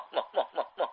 mah mah